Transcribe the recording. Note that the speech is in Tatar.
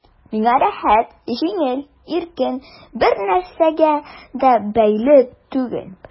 Миңа рәхәт, җиңел, иркен, бернәрсәгә дә бәйле түгел...